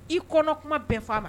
I kɔnɔ kuma bɛn faa ma